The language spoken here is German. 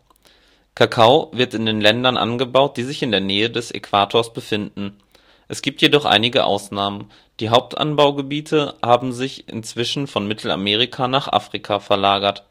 Kakao wird in Ländern angebaut, die sich in der Nähe des Äquators befinden, es gibt jedoch einige Ausnahmen. Die Hauptanbaugebiete haben sich inzwischen von Mittelamerika nach Afrika verlagert